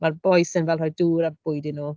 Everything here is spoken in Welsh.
Ma'r bois yn fel rhoi dŵr a bwyd i nhw .